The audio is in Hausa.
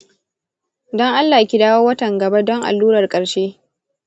don allah ki dawo watan gaba don allurar ƙarshe.